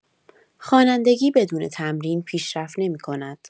خوانندگی بدون تمرین پیشرفت نمی‌کند.